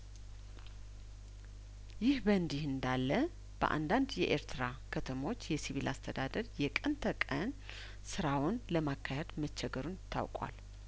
ይህ በእንዲህ እንዳለ በአንዳንድ የኤርትራ ከተሞች የሲቪል አስተዳደሩ የቀን ተቀን ስራውን ለማካሄድ መቸገሩን ታውቋል